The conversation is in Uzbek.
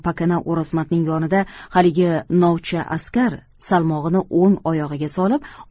pakana o'rozmatning yonida haligi novcha askar salmog'ini o'ng oyog'iga solib